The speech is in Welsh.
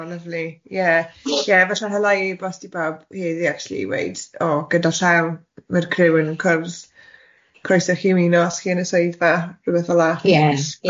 O lyfli ie ie falle hala i e-bost i bawb heddi acshyli i weud o gyda llaw mae'r criw yn cwrdd, croeso i chi ymuno os chi yn y swyddfa rywbeth fela... Ie ie.